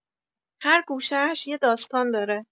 هر گوشه‌اش یه داستان داره.